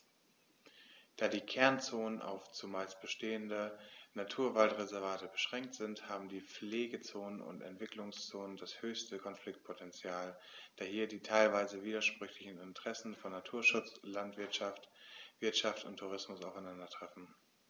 Da die Kernzonen auf – zumeist bestehende – Naturwaldreservate beschränkt sind, haben die Pflegezonen und Entwicklungszonen das höchste Konfliktpotential, da hier die teilweise widersprüchlichen Interessen von Naturschutz und Landwirtschaft, Wirtschaft und Tourismus aufeinandertreffen.